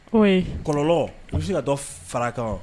Ko kɔlɔ u bɛ se ka dɔ fara kan